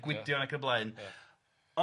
a Gwydion ac yn y blaen... Ia...